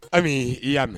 An i y'a mɛn